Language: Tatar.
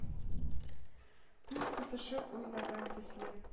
Күз кысышып уйнаган төсле,